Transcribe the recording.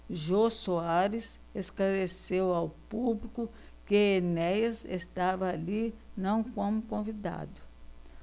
jô soares esclareceu ao público que enéas estava ali não como convidado